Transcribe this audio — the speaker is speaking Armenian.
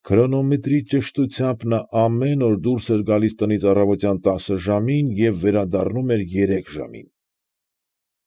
Քրոնոմետրի ճշտությամբ նա ամեն օր դուրս էր գալիս տնից առավոտյան տասը ժամին և վերադառնում էր երեք ժամին։